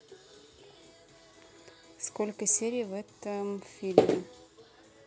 сколько серий в этом фильме